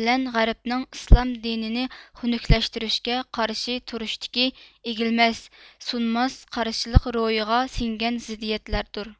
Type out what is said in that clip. بىلەن غەربنىڭ ئىسلام دىنىنى خۇنۇكلەشتۈرۈشكە قارشى تۇرۇشتىكى ئېگىلمەس سۇنماس قارشىلىق روھىغا سىڭگەن زىددىيەتلەردۇر